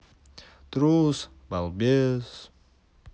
трус балбес